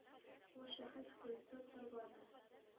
Ул — шәхес культы корбаны.